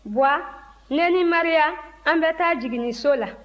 baba ne ni maria an bɛ taa jiginniso la